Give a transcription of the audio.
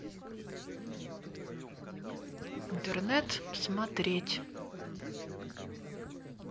интернет смотреть